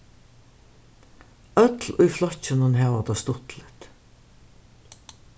øll í flokkinum hava tað stuttligt